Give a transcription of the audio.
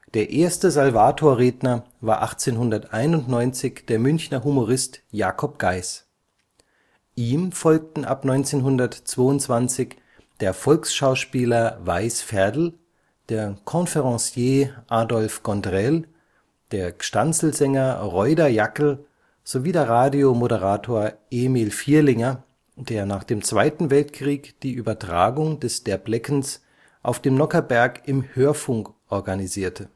Der erste Salvatorredner war 1891 der Münchner Humorist Jakob Geis. Ihm folgten ab 1922 der Volksschauspieler Weiß Ferdl, der Conférencier Adolf Gondrell, der Gstanzlsänger Roider Jackl sowie der Radiomoderator Emil Vierlinger, der nach dem Zweiten Weltkrieg die Übertragung des „ Derbleck'ns “auf dem Nockherberg im Hörfunk organisierte